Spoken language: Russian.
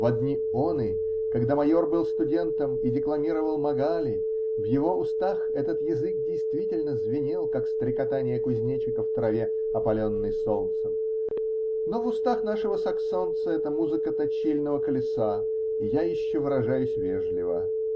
Во дни оны, когда майор был студентом и декламировал "Магали", в его устах этот язык действительно звенел, как стрекотание кузнечика в траве, опаленной солнцем, но в устах нашего саксонца это музыка точильного колеса, и я еще выражаюсь вежливо.